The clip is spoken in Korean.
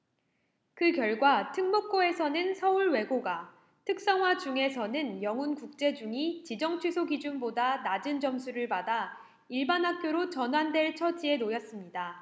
그 결과 특목고에서는 서울외고가 특성화중에서는 영훈국제중이 지정취소 기준보다 낮은 점수를 받아 일반학교로 전환될 처지에 놓였습니다